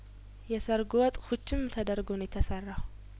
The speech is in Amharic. የሰርጉ ወጥ ኩችም ተደርጐ ነው የተሰራው